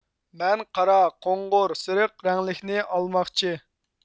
مەن قارا قوڭۇر سېرىق رەڭلىكنى ئالماقچى